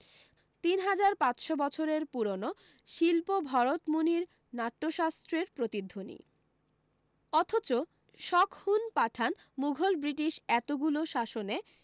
তিন হাজার পাচশো বছরের পুরনো শিল্প ভরতমুনির নাট্যশাস্ত্রের প্রতিধ্বনি অথচ শক হুন পাঠান মুঘল ব্রিটিশ এতগুলো শাসনে